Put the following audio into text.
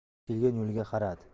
u kelgan yo'liga qaradi